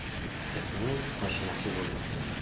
itning oshnasi bo'lmas